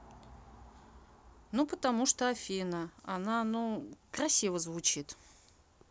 ну потому что афина она ну красиво звучит